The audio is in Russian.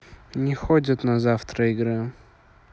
не ходят на завтра игра